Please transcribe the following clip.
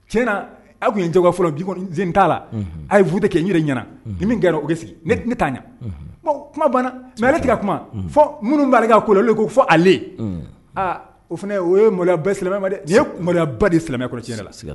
Tiɲɛna a tun ye n jagoya fɔlɔ bi kɔni senin n t'a la unhun a ye vote kɛ n yɛrɛ ɲɛna unhun ni min gagner ra o be sigi ne t ne t'a ɲa unhun bon kuma banna mais ale te ka kuma fɔ minnu b'ale ka ko la olu de ko fɔ ale uun un a o fɛnɛ o ye maloyaba ye silamɛya ma dɛ nin ye k maloyaba de ye silamɛya kɔnɔ tiɲɛ yɛrɛ la siga